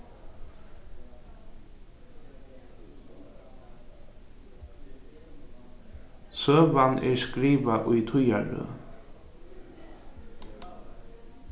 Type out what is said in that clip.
søgan er skrivað í tíðarrøð